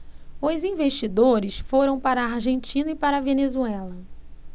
os investidores foram para a argentina e para a venezuela